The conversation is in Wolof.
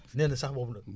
nee na sax boobu noonu